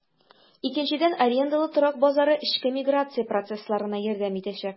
Икенчедән, арендалы торак базары эчке миграция процессларына ярдәм итәчәк.